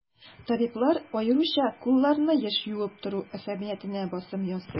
Табиблар аеруча кулларны еш юып тору әһәмиятенә басым ясый.